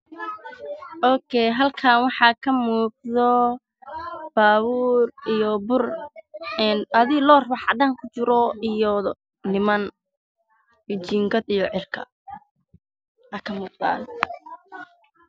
Kal kan waxaa kamuuqda baa buur iyo loor wax cadaan ku jiraan